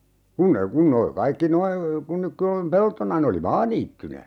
kun ne kun ne oli kaikki nuo kun nyt kun on peltona ne oli maaniittynä